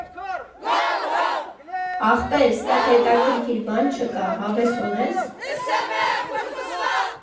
Ախպեր, ստեղ հետաքրքիր բան չկա, հավես ունե՞ս։